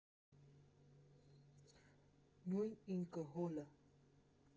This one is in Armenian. Նույն ինքը՝ հոլը։